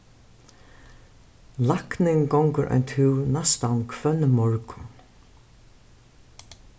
læknin gongur ein túr næstan hvønn morgun